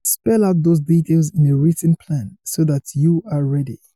Spell out those details in a written plan so that you're ready.